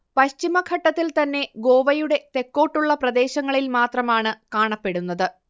പശ്ചിമഘട്ടത്തിൽ തന്നെ ഗോവയുടെ തെക്കോട്ടുള്ള പ്രദേശങ്ങളിൽ മാത്രമാണ് കാണപ്പെടുന്നത്